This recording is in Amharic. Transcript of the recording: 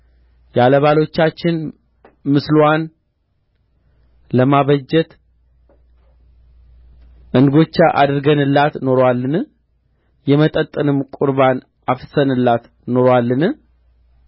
ያለ ባሎቻችን ምስልዋን ለማበጀት እንጐቻ አድርገንላት ኖሮአልን የመጠጥንም ቍርባን አፍስሰንላት ኖሮአልን